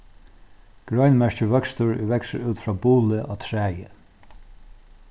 grein merkir vøkstur ið veksur út frá buli á træi